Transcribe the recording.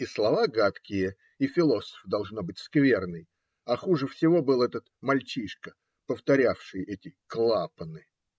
И слова гадкие, и философ, должно быть, скверный, а хуже всего был этот мальчишка, повторявший эти "клапаны".